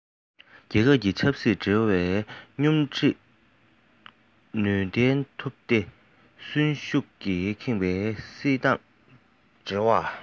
རྒྱལ ཁབ ཀྱི ཆབ སྲིད འབྲེལ བ སྙོམས སྒྲིག ནུས ལྡན ཐུབ སྟེ གསོན ཤུགས ཀྱིས ཁེངས པའི སྲིད ཏང འབྲེལ བ དང